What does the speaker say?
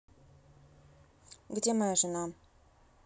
где моя жена